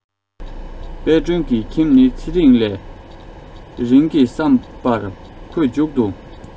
དཔལ སྒྲོན གྱི ཁྱིམ ནི ཚེ རིང ལས ཚེ རིང གི བསམ པར ཁོས མཇུག ཏུ